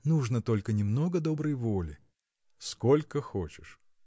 – Нужно только немного доброй воли. – Сколько хочешь.